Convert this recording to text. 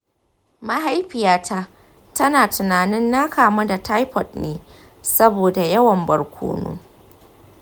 mahaifiyata tana tunanin na kamu da taifoid ne saboda yawan barkono.